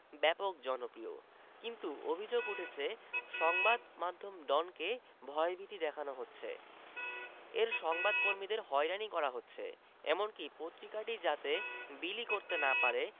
ব্যাপক জনপ্রিয় কিন্তু অভিযোগ উঠেছে সংবাদ মাধ্যম ডনকে ভয়ভীতি দেখানো হচ্ছে এর সংবাদ কর্মীদের হয়রানি করা হচ্ছে এমনকি পত্রিকাটি যাতে বিলি করতে না পারে